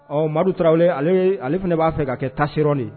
Ɔ amadu tarawele ale ale fana de b'a fɛ ka kɛ tase de